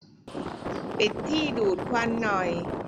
ปิดที่ดูดควันหน่อย